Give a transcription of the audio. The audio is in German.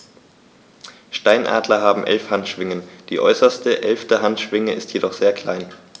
Steinadler haben 11 Handschwingen, die äußerste (11.) Handschwinge ist jedoch sehr klein.